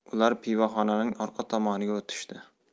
ular pivoxonaning orqa tomoniga o'tishdi